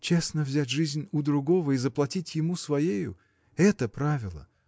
Честно взять жизнь у другого и заплатить ему своею: это правило!